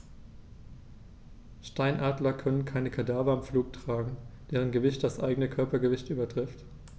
Steinadler können keine Kadaver im Flug tragen, deren Gewicht das eigene Körpergewicht übertrifft.